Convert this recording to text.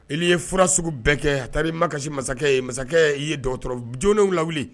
I ye fura sugu bɛn kɛ a taa' ma kasisi mansakɛ ye masakɛ' ye dɔgɔtɔrɔ jɔnw lawu